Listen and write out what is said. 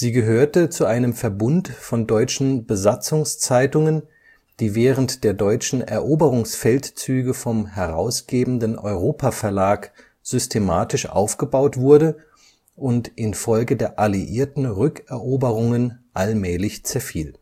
gehörte zu einem Verbund von deutschen Besatzungszeitungen, der während der deutschen Eroberungsfeldzüge vom herausgebenden Europa-Verlag systematisch aufgebaut wurde und infolge der alliierten Rückeroberungen allmählich zerfiel